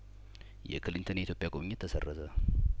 የክሊንተን የኢትዮጵያ ጉብኝት ተሰረዘ